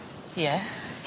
Ie.